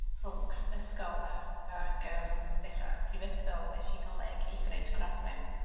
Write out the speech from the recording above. rhwngth ysgol a ag yym dechra prifysgol es i goleg i gneud gradd mewn